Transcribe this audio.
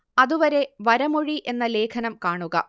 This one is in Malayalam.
അതുവരെ വരമൊഴി എന്ന ലേഖനം കാണുക